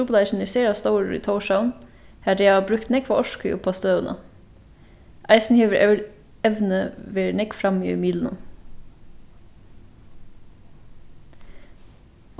trupulleikin er sera stórur í tórshavn har tey hava brúkt nógva orku uppá støðuna eisini hevur evnið verið nógv frammi í miðlunum